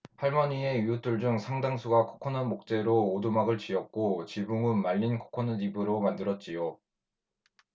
할머니의 이웃들 중 상당수가 코코넛 목재로 오두막을 지었고 지붕은 말린 코코넛 잎으로 만들었지요